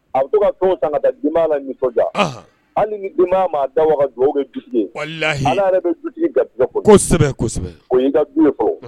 A bɛ to ka fɛnw san ka taa denbaya nisɔndiya, anhan, hali ni denbaya m'a da waga ka dugawu kɛ dutigi ye, walahi, Ala yɛrɛ bɛ dutigi garisɛgɛ foni, kosɛbɛ kasɛbɛ, o y'i ka du ye fɔlɔ